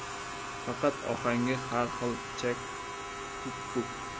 faqat ohangi har xil chak tikpuk